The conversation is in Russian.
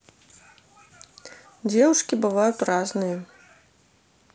девушки бывают разные